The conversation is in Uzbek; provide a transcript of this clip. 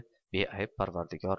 beayb parvardigor